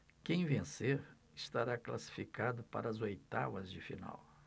quem vencer estará classificado para as oitavas de final